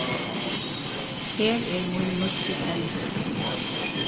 her er mín nýggi teldil